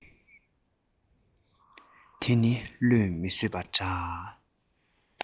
དེ ནི བློས མི བཟོད པ འདྲ